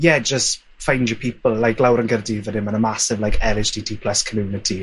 ie, jys find your people like lawr yn Gaerdydd wedyn ma' 'na massive like el haich dee tee plus community.